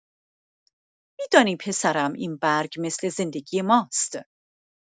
می‌دانی پسرم، این برگ مثل زندگی ماست.